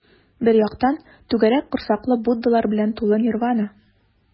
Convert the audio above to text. Бер яктан - түгәрәк корсаклы буддалар белән тулы нирвана.